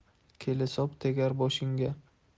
kelisop tegar boshingga